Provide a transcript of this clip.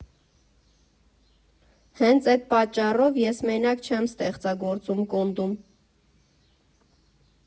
Հենց էդ պատճառով ես մենակ չեմ ստեղծագործում Կոնդում։